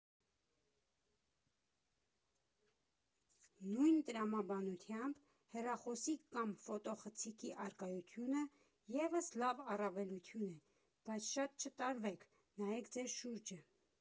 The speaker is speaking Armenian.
Նույն տրամաբանությամբ հեռախոսի կամ ֆոտոխցիկի առկայությունը ևս լավ առավելություն է, բայց շատ չտարվեք, նայեք ձեր շուրջը։